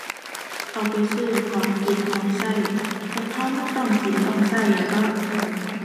เอาไปซื้อของกินชองใช้ คนใช้มันต้องกินต้องใช้อะเนาะ